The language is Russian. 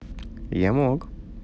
я мог